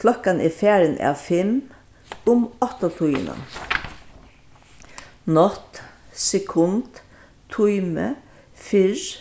klokkan er farin av fimm um áttatíðina nátt sekund tími fyrr